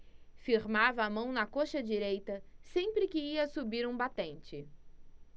firmava a mão na coxa direita sempre que ia subir um batente